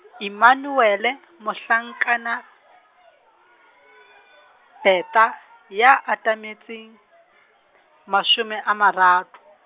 Emmanuele, Mohlankana , Bertha ya atametseng, mashome a marar- .